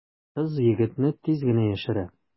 Кыз егетне тиз генә яшерә.